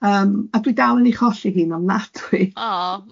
Yym, a dwi dal yn ei cholli hi'n ofnadwy.